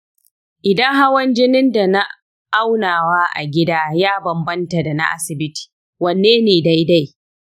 idan hawan jinin da na aunawa a gida ya bambanta da na asibiti, wanne ne daidai?